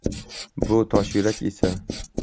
bu toshyurak esa